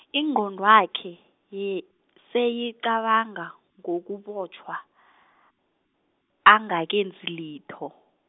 ingqondwakhe, ye- seyicabanga, ngokubotjhwa , angakenzi litho.